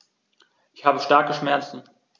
Ich habe starke Schmerzen.